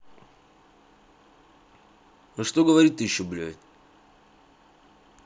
а что говорить то еще блядь